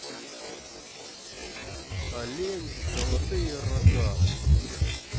олень золотые рога